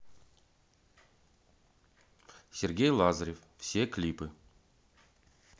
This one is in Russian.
сергей лазарев все клипы